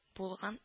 Булган